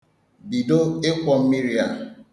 Bido ịkwọ mmiri a.